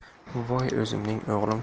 voy o'zimning o'g'lim